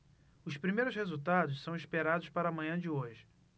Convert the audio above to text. os primeiros resultados são esperados para a manhã de hoje